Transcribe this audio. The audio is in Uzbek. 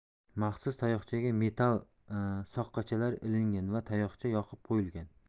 maxsus tayoqchaga metall soqqachalar ilingan va tayoqcha yoqib qo'yilgan